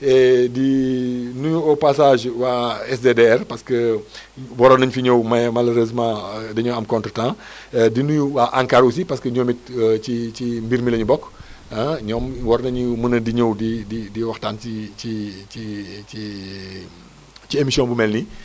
di nuyu au passage waa SDDR parce que waroon nañu fi ñëw mais malheureusement dañu am contre temps di nuyu waa Ancar aussi parce que ñoom it ci ci mbir mi la ñu bokk ñoom war nañu mën a di ñëw di di di waxtaan ci ci ci ci émission bu mel nii